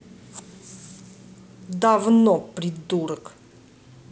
давно придурок